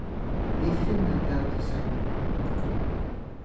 vit finna út av tí seinni